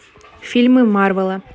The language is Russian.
фильмы марвела